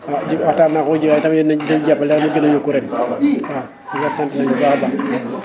ah ji waxtaan naa koog Diegane itam nee na dinañ jàpp ù bi gën a yokku ren waaw di ko sant nag bu baax a baax